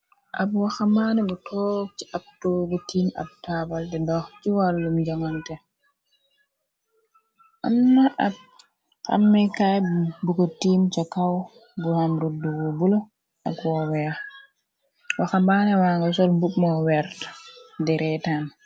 ab waxamaane bu toog ci ab toogi tiim ab tabal di dox ci wàllum jamante amna ab xammekaay bu ko tiim ca kaw bu hamruddu bula ak wooweex waxa maane wanga sol mbub mo wert de reetan